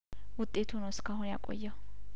ውጤቱ ነው እስካሁን ያቆየው